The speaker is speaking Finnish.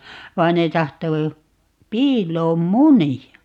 vaan ne tahtoi piiloon munia